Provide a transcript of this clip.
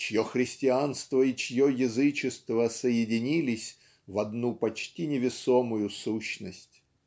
чье христианство и чье язычество соединились в одну почти невесомую сущность.